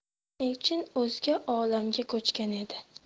elchin o'zga olamga ko'chgan edi